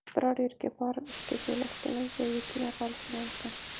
faqat biror yerga borib ishga joylashgunimcha yetmay qolishi mumkin